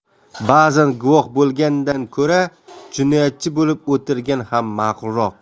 ba'zan guvoh bo'lgandan ko'ra jinoyatchi bo'lib o'tirgan ham ma'qulroq